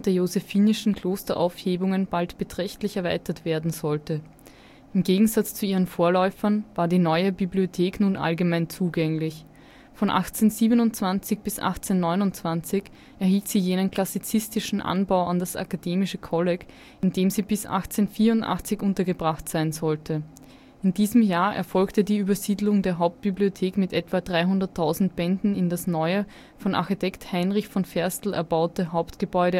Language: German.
josephinischen Klosteraufhebungen bald beträchtlich erweitert werden sollte. Im Gegensatz zu ihren Vorläufern war die neue Bibliothek nun allgemein zugänglich. Von 1827 bis 1829 erhielt sie jenen klassizistischen Anbau (Postgasse 9) an das Akademische Kolleg, in dem sie bis 1884 untergebracht sein sollte. In diesem Jahr erfolgte die Übersiedlung der Hauptbibliothek mit etwa 300.000 Bänden in das neue, von Architekt Heinrich von Ferstel erbaute Hauptgebäude